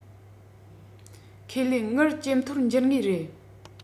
ཁས ལེན དངུལ ཇེ མཐོར འགྱུར ངེས རེད